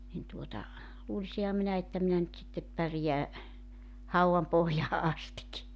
niin tuota luulisinhan minä että minä nyt sitten pärjään haudan pohjaan asti